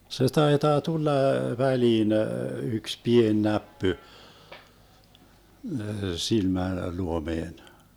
se taitaa tulla väliin yksi pieni näppy - silmäluomeen